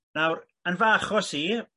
nawr yn fy achos i